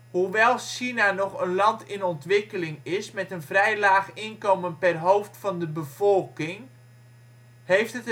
Hoewel China nog een land in ontwikkeling is met een vrij laag inkomen per hoofd van de bevolking, heeft